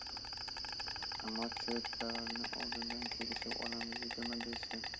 ammo cho'talni oldindan kelishib olamiz yigirma besh so'm